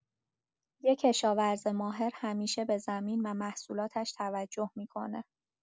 یه کشاورز ماهر همیشه به زمین و محصولاش توجه می‌کنه